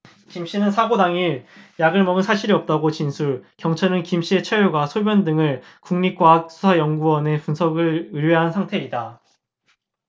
김씨는 사고 당일 약을 먹은 사실이 없다고 진술 경찰은 김씨의 채혈과 소변 등을 국립과학수사연구원에 분석을 의뢰한 상태이다